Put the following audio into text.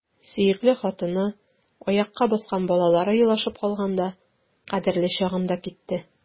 Сөекле хатыны, аякка баскан балалары елашып калганда — кадерле чагында китте!